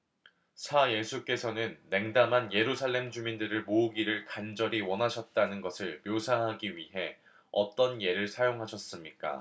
사 예수께서는 냉담한 예루살렘 주민들을 모으기를 간절히 원하셨다는 것을 묘사하기 위해 어떤 예를 사용하셨습니까